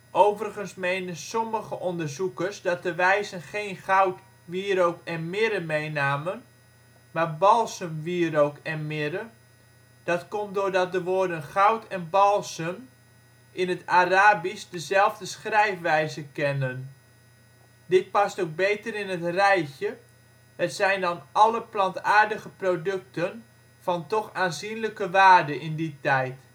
Overigens menen sommige onderzoekers dat de Wijzen geen goud, wierook en mirre meenamen maar balsem, wierook en mirre. Dat komt doordat de woorden goud en balsem in het Arabisch dezelfde schrijfwijze kennen: dhb. Dit past ook beter in het rijtje; het zijn dan alle plantaardige producten van toch aanzienlijke waarde (in die tijd